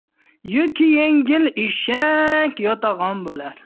yuki yengil eshak yotag'on bo'lar